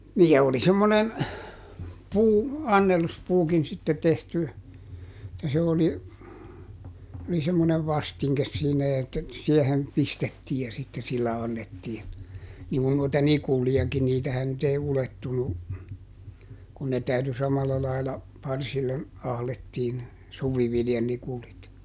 niin ja oli semmoinen - annelluspuukin sitten tehty että se oli oli semmoinen vastinke siinä että siihen pistettiin ja sitten sillä annettiin niin kun noita nikulejakin niitähän nyt ei ulettunut kun ne täytyi samalla lailla parsille ahdettiin suviviljanikulit